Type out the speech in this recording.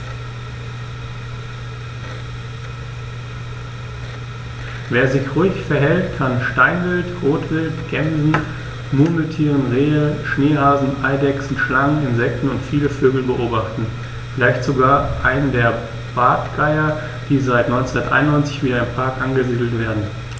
Wer sich ruhig verhält, kann Steinwild, Rotwild, Gämsen, Murmeltiere, Rehe, Schneehasen, Eidechsen, Schlangen, Insekten und viele Vögel beobachten, vielleicht sogar einen der Bartgeier, die seit 1991 wieder im Park angesiedelt werden.